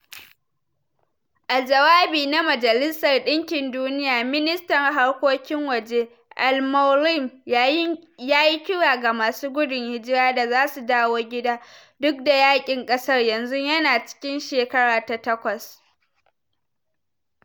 A jawabi na Majalisar ɗinkin Duniya, Ministan Harkokin Waje al-Moualem yayi kira ga masu gudun hijira da su dawo gida, duk da yaƙin ƙasar yanzu yana cikin shekara ta takwas.